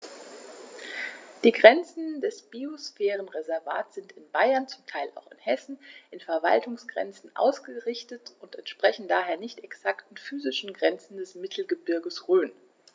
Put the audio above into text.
Die Grenzen des Biosphärenreservates sind in Bayern, zum Teil auch in Hessen, an Verwaltungsgrenzen ausgerichtet und entsprechen daher nicht exakten physischen Grenzen des Mittelgebirges Rhön.